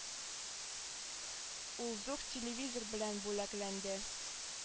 Ул зур телевизор белән бүләкләнде